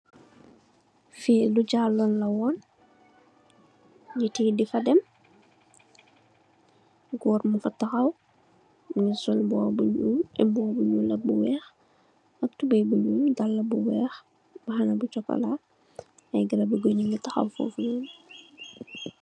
Fii lo jala la won, nit yi difa dem, goor mung fa taxaw, mingi sol mbuba bu nyuul ak bu weex, ak tubay bu nyuul, dalle bu weex, mbaxana bu sokola, ay garab bi guuy nyi ngi taxaw fofu nun.